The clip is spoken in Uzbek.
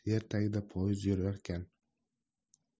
yer tagida poyiz yurarkan